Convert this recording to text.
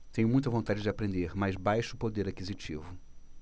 tenho muita vontade de aprender mas baixo poder aquisitivo